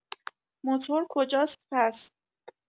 موتور کجاست پس؟